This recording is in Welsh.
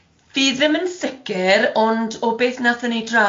Fi ddim yn sicr, ond o beth wnaethon ni drafod